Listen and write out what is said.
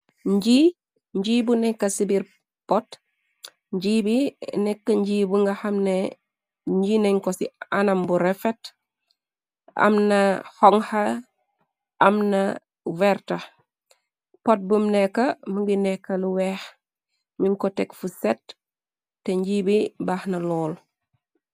Ñjii ñjii bu neka ci biir pot njii bi nak njii bu nga xamne nji neñ ko ci anam bu refet amna xonxa amna werta pot bum neka mongi nekka lu weex min ko teg fu set te njii bi baaxna lool.